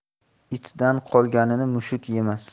itdan qolganini mushuk yemas